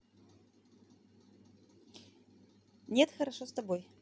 нет хорошо с тобой